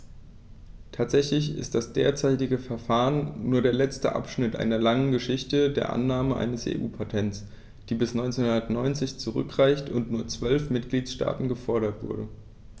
Tatsächlich ist das derzeitige Verfahren nur der letzte Abschnitt einer langen Geschichte der Annahme eines EU-Patents, die bis 1990 zurückreicht und nur von zwölf Mitgliedstaaten gefordert wurde.